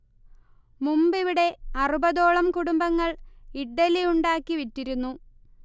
മുമ്പിവിടെ അറുപത്ഓളം കുടുംബങ്ങൾ ഇഡ്ഢലി ഉണ്ടാക്കി വിറ്റിരുന്നു